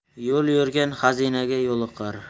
yo'l yurgan xazinaga yo'liqar